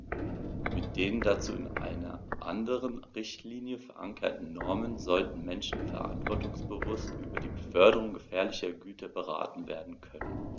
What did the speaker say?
Mit den dazu in einer anderen Richtlinie, verankerten Normen sollten Menschen verantwortungsbewusst über die Beförderung gefährlicher Güter beraten werden können.